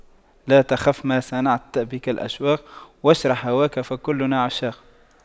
لا تخف ما صنعت بك الأشواق واشرح هواك فكلنا عشاق